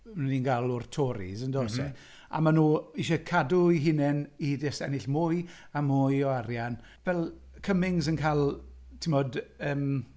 Pwy ni'n galw'r Tories yn does e. A maen nhw isie cadw'i hunain i jyst ennill mwy a mwy o arian fel Cummings yn cael tibod yym...